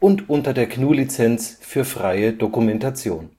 und unter der GNU Lizenz für freie Dokumentation